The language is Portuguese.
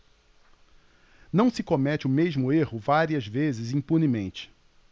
não se comete o mesmo erro várias vezes impunemente